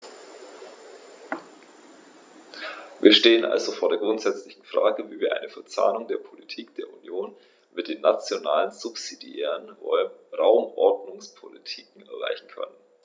Wir stehen also vor der grundsätzlichen Frage, wie wir eine Verzahnung der Politik der Union mit den nationalen subsidiären Raumordnungspolitiken erreichen können.